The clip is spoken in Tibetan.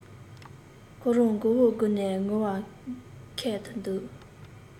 ཁོ རང མགོ བོ མགུར ནས ངུ ལ ཁས དུ འདུག